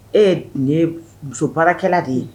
E nin ye musobarakɛla de ye